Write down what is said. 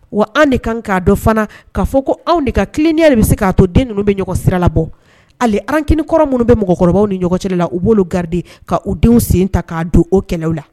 Wa an' de kan kaa dɔn fana k'a fɔ ko anw de ka tilenneya de bɛ se k'a to den ninnu bɛ ɲɔgɔn sira labɔ ali rancune kɔrɔ minnu bɛ mɔgɔkɔrɔbaw ni ɲɔgɔncɛ lala u b'olu garder ka u denw sen ta k'a don o kɛlɛw la.